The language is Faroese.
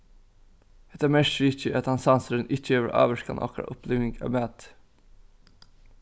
hetta merkir ikki at tann sansurin ikki hevur ávirkan á okkara uppliving av mati